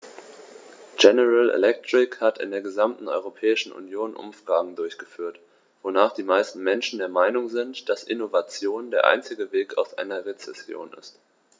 General Electric hat in der gesamten Europäischen Union Umfragen durchgeführt, wonach die meisten Menschen der Meinung sind, dass Innovation der einzige Weg aus einer Rezession ist.